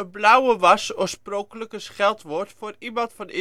blauwe was oorspronkelijk een scheldwoord voor iemand van